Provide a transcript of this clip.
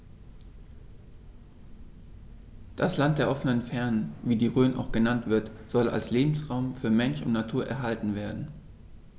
Das „Land der offenen Fernen“, wie die Rhön auch genannt wird, soll als Lebensraum für Mensch und Natur erhalten werden.